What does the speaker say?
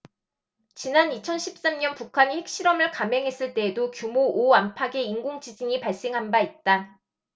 지난 이천 십 삼 년 북한이 핵실험을 감행했을 때에도 규모 오 안팎의 인공지진이 발생한 바 있다